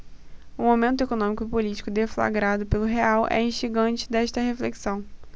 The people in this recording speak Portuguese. o momento econômico e político deflagrado pelo real é instigante desta reflexão